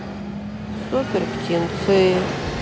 супер птенцы